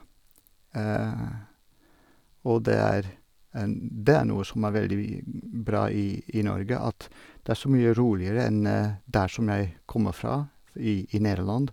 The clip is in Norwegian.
Og det er det er noe som er veldig bra i i Norge, at det er så mye roligere enn der som jeg kommer fra f i i Nederland.